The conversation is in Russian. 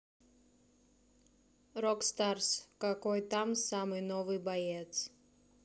rockstarz какой там самый новый боец